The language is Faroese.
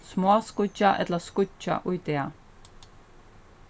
smáskýggjað ella skýggjað í dag